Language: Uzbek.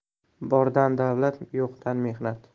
bordan davlat yo'qdan mehnat